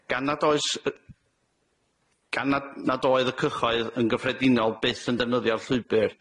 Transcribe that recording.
Gan nad oes y- gan nad nad oedd y cyhoedd yn gyffredinol byth yn defnyddio'r llwybyr,